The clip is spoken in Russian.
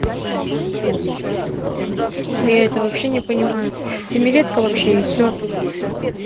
а я это вообще не понимаю семилетка вообще и все